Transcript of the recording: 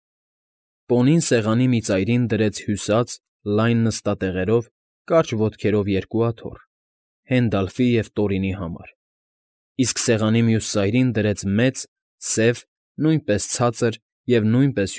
Պոնին սեղանի մի ծայրին դրեց հյուսած լայն նստատեղերով, կարճ ոտքերով երկու աթոռ՝ Հենդալֆի և Տորինի համար, իսկ սեղանի մյուս ծայրին դրեց մեծ, սև, նույնպես ցածր և նույնպես։